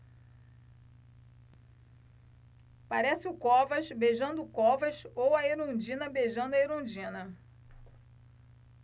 parece o covas beijando o covas ou a erundina beijando a erundina